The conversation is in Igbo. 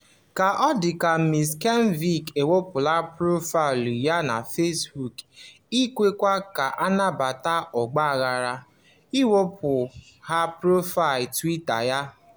Ka ọ dị ka Ms. Knežević ewepụọla profaịlụ ya na Facebook, ikekwe ka e belata ọgbaaghara, o wepụghị profaịlụ Twitter ya.